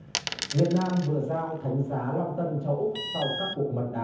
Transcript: việt nam vừa giao thánh giá long tân châu úc sau các cuộc mật đàm